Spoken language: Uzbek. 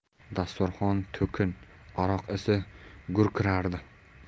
dasturxon to'kin aroq isi gurkirardi